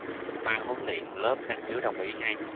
ban huấn luyện lớp năng khiếu đồng ý ngay